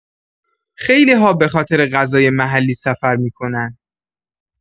خیلی‌ها به‌خاطر غذای محلی سفر می‌کنن.